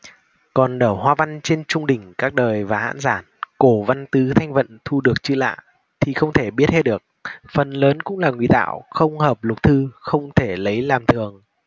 còn ở hoa văn trên chung đỉnh các đời và hãn giản cổ văn tứ thanh vận thu được chữ lạ thì không thể biết hết được phần lớn cũng là ngụy tạo không hợp lục thư không thể lấy làm thường